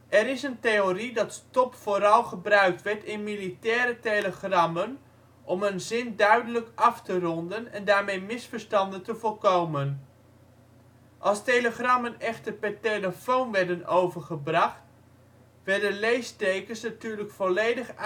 Er is een theorie dat STOP vooral gebruikt werd in militaire telegrammen om een zin duidelijk af te ronden en daarmee misverstanden te voorkomen. Als telegrammen echter per telefoon werden overgebracht, werden leestekens natuurlijk volledig uitgesproken